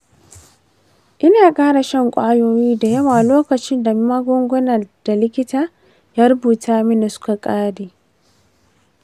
ina ƙara shan ƙwayoyi da yawa lokacin da magungunan da likita ya rubuta mini suka ƙare.